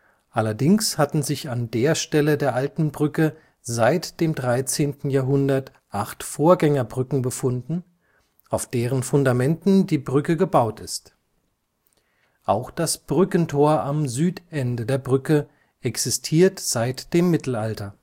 Allerdings hatten sich an der Stelle der Alten Brücke seit dem 13. Jahrhundert acht Vorgängerbrücken befunden, auf deren Fundamenten die Brücke gebaut ist. Auch das Brückentor am Südende der Brücke existiert seit dem Mittelalter